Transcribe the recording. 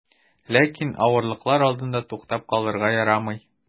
Ләкин авырлыклар алдында туктап калырга ярамый.